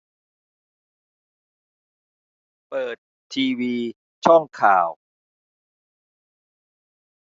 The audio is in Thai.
เปิดทีวีช่องข่าว